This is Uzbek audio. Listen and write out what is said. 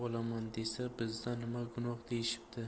olaman desa bizda nima gunoh deyishibdi